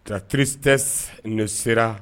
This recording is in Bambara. La tristesse ne sera